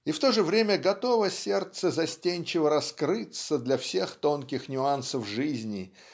И в то же время готово сердце застенчиво раскрыться для всех тонких нюансов жизни